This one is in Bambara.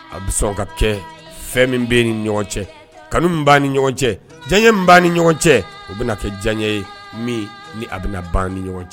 A bɛ sɔn ka kɛ fɛn min bɛ ni ɲɔgɔn cɛ kanu ni ɲɔgɔn cɛ jan ye min ni ɲɔgɔn cɛ o bɛ kɛ diyaɲɛ ye min ni a bɛna ban ni ɲɔgɔn cɛ